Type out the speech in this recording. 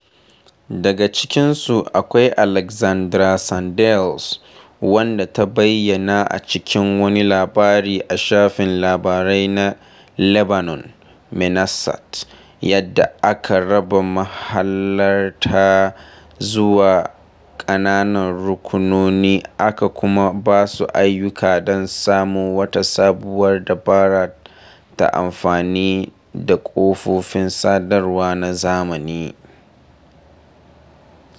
Daga cikin su, akwai Alexandra Sandels wadda ta bayyana a cikin wani labari a shafin labarai na Lebanon, Menassat, yadda aka raba mahalarta zuwa ƙananan rukunoni aka kuma basu ayyuka don samo wata sabuwar dabara ta amfani da kafofin sadarwa na zamani.